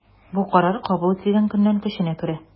Бу карар кабул ителгән көннән көченә керә.